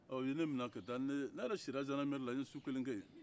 ɔ ye ne minɛ ka taa ne ne yɛrɛ sira zandarmeri la n ye su kelen kɛ ye